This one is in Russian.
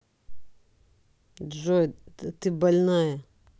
джой а ты больная